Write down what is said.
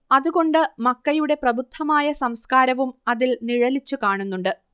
അത് കൊണ്ട് മക്കയുടെ പ്രബുദ്ധമായ സംസ്കാരവും അതിൽ നിഴലിച്ചു കാണുന്നുണ്ട്